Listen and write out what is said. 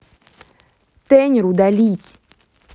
tanner удалить